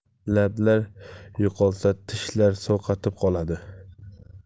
lablar yo'qolsa tishlar sovqotib qoladi